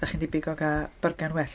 Dach chi'n debyg o gael byrgyr well.